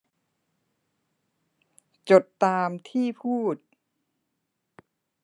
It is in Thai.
จดตามที่พูด